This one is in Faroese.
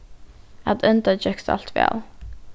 at enda gekst alt væl